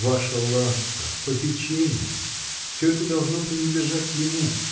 — Ваша ласка, попечения — всё это должно принадлежать ему.